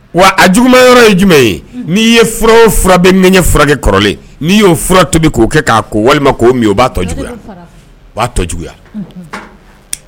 Wa a jugu man yɔrɔ ye jumɛn ye ni ye fura o fura bɛ ŋɛɲɛ furakɛ kɔrɔlen, ni yo fura tobi ko kɛ ka ko walima ko mi. O ba tɔ juguya Unhun